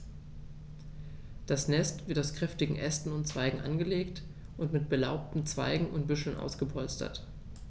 Das Nest wird aus kräftigen Ästen und Zweigen angelegt und mit belaubten Zweigen und Büscheln ausgepolstert.